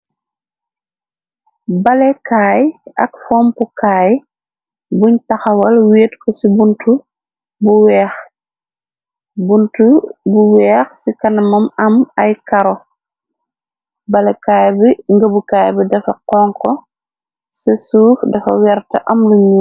Balekaay ak fompukaay buñ taxawal weet ko ci buntu bu weex buntu bu weex ci kanamam am ay karo balekaay bi ngëbukaay bi defa xonko ci suuf dafa werta am luñu.